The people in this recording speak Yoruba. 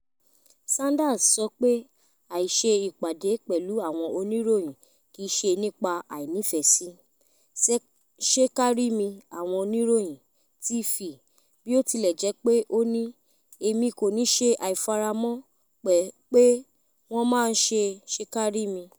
Sanders sọ pé àìse ìpàdé pẹ̀lú àwọn oníròyìn kí ṣe nípà àìnífẹ́sí “ṣekárími” àwon oníròyìn TV, bíótilẹ̀jẹ́pé ó ní̀: "Emí kò ní ṣe àìfaramọ́ pé wọ́n máa ń ṣe ṣekárími.”